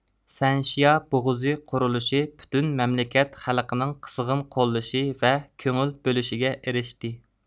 سەنشيا بوغۇزى قۇرۇلۇشى پۈتۈن مەملىكەت خەلقىنىڭ قىزغىن قوللىشى ۋە كۆڭۈل بۆلۈشىگە ئېرىشتى